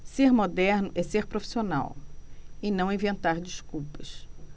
ser moderno é ser profissional e não inventar desculpas